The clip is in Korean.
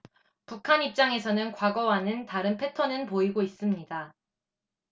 북한 입장에서는 과거와는 다른 패턴은 보이고 있습니다